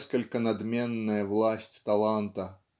несколько надменная власть таланта